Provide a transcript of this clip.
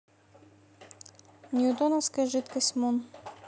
ньютоновская жидкость мон